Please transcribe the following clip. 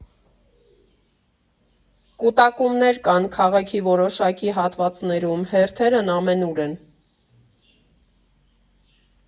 Կուտակումներ կան քաղաքի որոշակի հատվածներում, հերթերն ամենուր են։